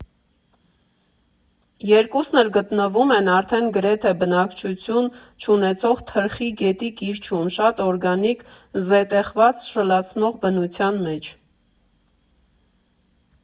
Երկուսն էլ գտնվում են արդեն գրեթե բնակչություն չունեցող Թրխի գետի կիրճում՝ շատ օրգանիկ զետեղված շլացնող բնության մեջ։